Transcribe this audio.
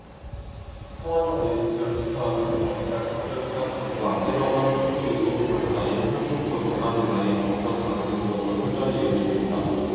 성완종 리스트를 수사하는 검찰 특별수사팀과 일 억원 수수 의혹 당사자인 홍준표 경남지사의 경선 자금을 둘러싼 설전이 이어지고 있다